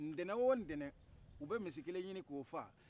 n'tɛnen wo n'tɛnɛn o bɛ misi kelen ɲinin k'o faa